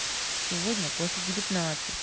сегодня после девятнадцати